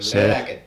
se